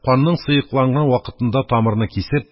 Канның сыекланган вакытында тамырыны кисеп,